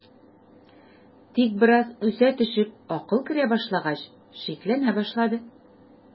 Тик бераз үсә төшеп акыл керә башлагач, шикләнә башлады.